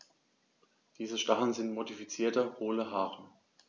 Diese Stacheln sind modifizierte, hohle Haare.